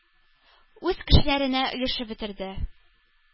Үз кешеләренә өләшеп бетерде.